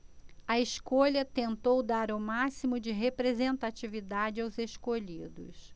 a escolha tentou dar o máximo de representatividade aos escolhidos